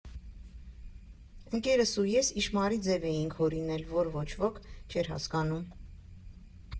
Ընկերս ու ես «իշմարի» ձև էինք հորինել, որ ոչ ոք չէր հասկանում։